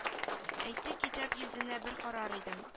Әйтте китап йөзенә бер карар идем